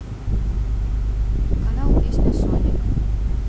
канал песня sonic